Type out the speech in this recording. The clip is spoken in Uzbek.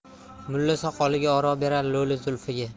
mulla soqoliga oro berar lo'li zulfiga